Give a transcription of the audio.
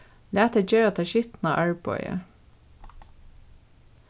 lat tey gera tað skitna arbeiðið